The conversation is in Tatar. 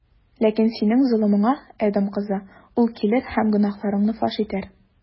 Ләкин синең золымыңа, Эдом кызы, ул килер һәм гөнаһларыңны фаш итәр.